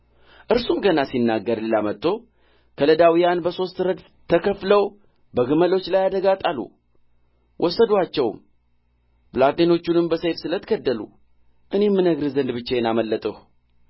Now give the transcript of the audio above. እርሱም ገና ሲናገር ሌላ መጥቶ ከለዳውያን በሦስት ረድፍ ተከፍለው በግመሎች ላይ አደጋ ጣሉ ወሰዱአቸውም ብላቴኖቹንም በሰይፍ ስለት ገደሉ እኔም እነግርህ ዘንድ ብቻዬን አመለጥሁ